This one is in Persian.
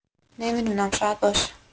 نمی‌دونم شاید باشه